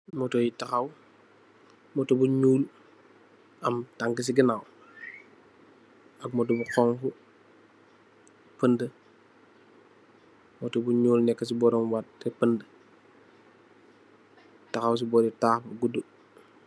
Motou yu tahaw motou bu nuul am tanke se ganaw ak motou bu xonxo pehde otu bu nuul neka se boram watt teh pehde tahaw se bore tax bu goudu.